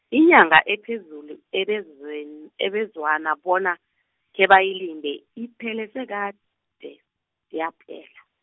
inyanga ephezulu ebezwen- ebezwana bona, khebayilinde, iphele sekade, yaphela.